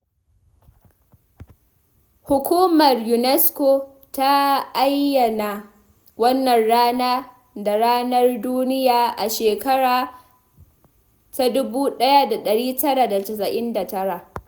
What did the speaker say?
Hukumar UNESCO ta ayyana wannan rana da Ranar Duniya a 1999.